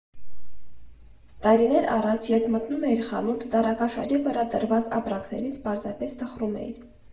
Տարիներ առաջ, երբ մտնում էիր խանութ, դարակաշարի վրա դրված ապրանքներից պարզապես տխրում էիր.